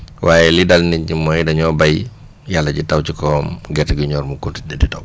waaye li dal nit ñi mooy dañoo béy yàlla ji taw ci kawam gerte gi ñor mu continuer di taw